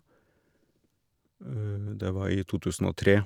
Det var i to tusen og tre.